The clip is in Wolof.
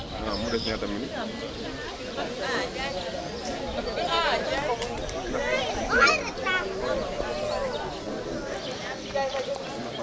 ah mu des ñaata minute